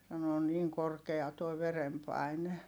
sanoi on niin korkea tuo verenpaine